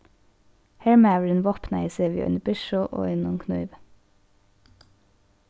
hermaðurin vápnaði seg við eini byrsu og einum knívi